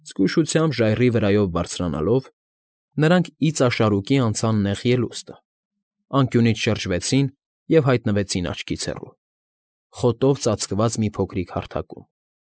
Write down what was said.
Զգուշությամբ, ժայռի վրայով բարձրանալով, նրանք իծաշարուկի անցան նեղ ելուստը, անկյունից շրջվեցին և հայտնվեցին աչքից հեռու, խոտով ծածկված մի փոքրիկ հարթակում։